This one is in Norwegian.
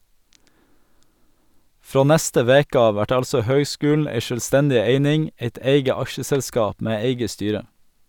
Frå neste veke av vert altså høgskulen ei sjølvstendig eining, eit eige aksjeselskap med eige styre.